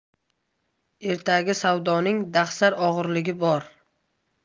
ertagi savdoning dahsar og'irligi bor